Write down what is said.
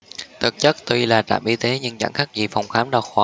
thực chất tuy là trạm y tế nhưng chẳng khác gì phòng khám đa khoa